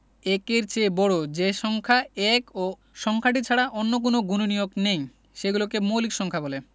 ১-এর চেয়ে বড় যে সংখ্যা ১ ও সংখ্যাটি ছাড়া অন্য কোনো গুণনীয়ক নেই সেগুলোকে মৌলিক সংখ্যা বলে